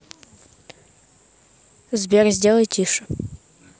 сбер сделай тише